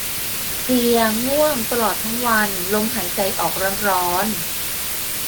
เพลียง่วงตลอดทั้งวันลมหายใจออกร้อนร้อน